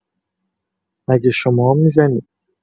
مگه شمام می‌زنید؟